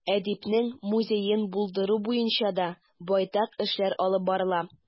Әдипнең музеен булдыру буенча да байтак эшләр алып барыла.